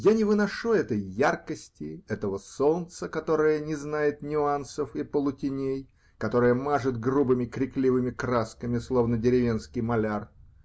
Я не выношу этой яркости, этого солнца, которое не знает нюансов и полутеней, которое мажет грубыми крикливыми красками, словно деревенский маляр.